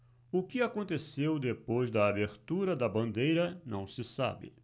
o que aconteceu depois da abertura da bandeira não se sabe